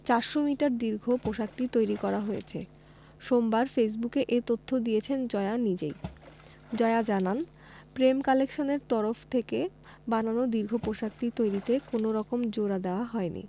৪০০ metre দীর্ঘ পোশাকটি তৈরি করা হয়েছে সোমবার ফেসবুকে এ তথ্য দিয়েছেন জয়া নিজেই জয়া জানান প্রেম কালেকশন এর তরফ থেকে বানানো দীর্ঘ পোশাকটি তৈরিতে কোনো রকম জোড়া দেয়া হয়নি